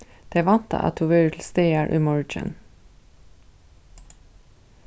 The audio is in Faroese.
tey vænta at tú verður til staðar í morgin